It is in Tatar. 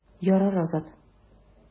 Ярар, Азат.